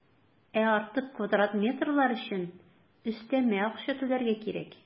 Ә артык квадрат метрлар өчен өстәмә акча түләргә кирәк.